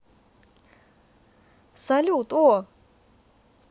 салют о